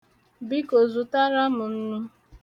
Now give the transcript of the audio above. Biko zụtara m nnu.